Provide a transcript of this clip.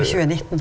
i tjuenitten?